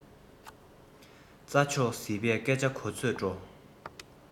རྩ མཆོག ཟིལ པས སྐད ཆ གོ ཚོད འགྲོ